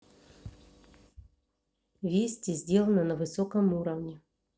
вести сделано на высоком уровне